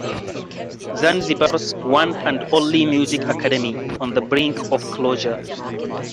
Zanzibar's one and only music academy on the brink of closure